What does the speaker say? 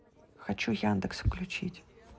хочу яндекс включить